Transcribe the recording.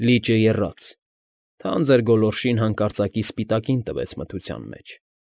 Լիճը եռաց, թանձր գոլորշին հանկարծակի սպիտակին տվեց մթության մեջ։